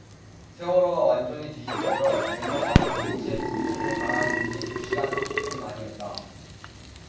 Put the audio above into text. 세월호가 완전히 뒤집혀져 뱃머리만 남긴 채 물속으로 가라앉은 지 두 시간 삼십 분 만이었다